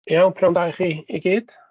Iawn, pnawn da i chi i gyd.